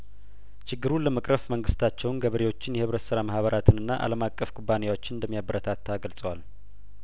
ችግሩን ለመቅረፍ መንግስታቸውን ገበሬዎችን የህብረት ስራ ማህበራትንና አለም አቀፍ ኩባንያዎችን እንደሚያበረታታ ገልጸዋል